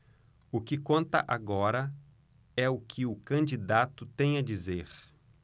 o que conta agora é o que o candidato tem a dizer